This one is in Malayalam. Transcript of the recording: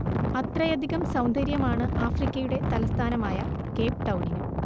അത്രയധികം സൗന്ദര്യമാണ് ആഫ്രിക്കയുടെ തലസ്ഥാനമായ കേപ് ടൗണിന്